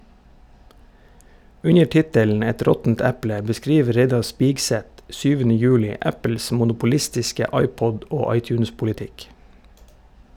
Under tittelen "Et råttent eple" beskriver Reidar Spigseth 7. juli Apples monopolistiske iPod- og iTunes-politikk.